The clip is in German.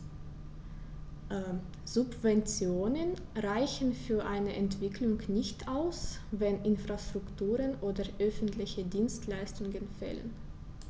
Subventionen reichen für eine Entwicklung nicht aus, wenn Infrastrukturen oder öffentliche Dienstleistungen fehlen.